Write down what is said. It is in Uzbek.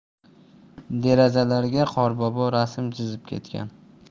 derazalarga qorbobo rasm chizib ketgan